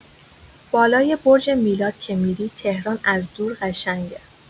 بالای برج میلاد که می‌ری، تهران از دور قشنگه.